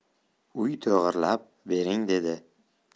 uy to'g'irlab bering dedi